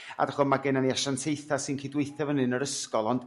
a d'ch'mo' ma' gennon ni asiantaetha' sy'n cydweithio hynny yn yr ysgol ond